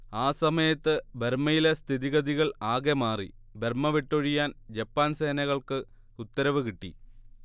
ആ സമയത്ത് ബർമ്മയിലെ സ്ഥിതിഗതികൾ ആകെ മാറി ബർമ്മ വിട്ടൊഴിയാൻ ജപ്പാൻ സേനകൾക്ക് ഉത്തരവ് കിട്ടി